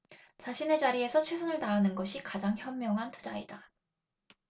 자신의 자리에서 최선을 다하는 것이 가장 현명한 투자이다